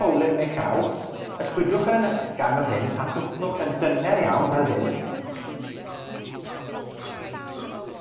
bowlen yn eich llaw, ysgwdwch e'n ysgafn fel hyn, a hwthwch yn dyner iawn, fel hyn, chwythu>